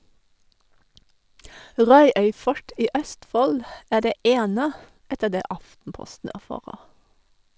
Rauøy fort i Østfold er det ene , etter det Aftenposten erfarer.